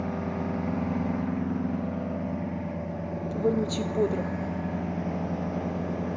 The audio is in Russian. вонючий потрох